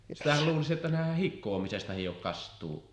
sitähän luulisi että nehän hikoamistakin jo kastuu